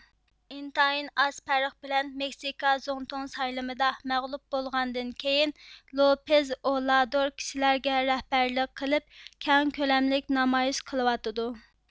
ئىنتايىن ئاز پەرق بىلەن مېكسىكا زۇڭتۇڭ سايلىمىدا مەغلۇپ بولغاندىن كېيىن لوپېز ئوۋلادور كىشىلەرگە رەھبەرلىك قىلىپ كەڭ كۆلەملىك نامايىش قىلىۋاتىدۇ